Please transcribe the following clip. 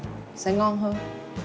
sẽ ngon hơn